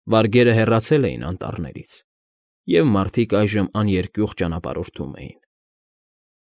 Վարգերը հեռացել էին անտառներից, և մարդիկ այժմ աներկյուղ ճանապարհորդում էին։